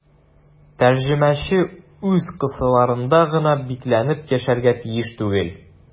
Тәрҗемәче үз кысаларында гына бикләнеп яшәргә тиеш түгел.